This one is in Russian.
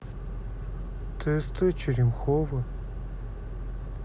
тст черемхово